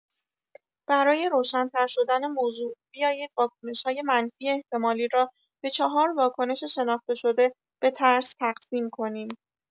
برای روشن‌ترشدن موضوع، بیایید واکنش‌های منفی احتمالی را به چهار واکنش شناخته شده به ترس تقسیم کنیم.